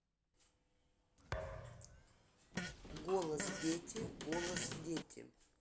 голос дети голос дети